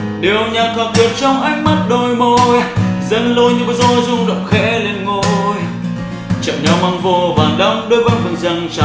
điệu nhạc hòa quyện trong ánh mắt dẫn lối những bối rối rung động khẽ lên ngôi chạm nhau mang vô vàn đắm đuối vấn vương dâng tràn